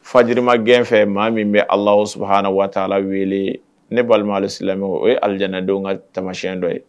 Fajima gɛnfɛ maa min bɛ alahaana waatitala wele ne balimamuale silamɛ e ye aliddenw ka tamasiyɛn dɔ ye